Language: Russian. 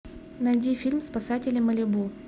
найди фильм спасатели малибу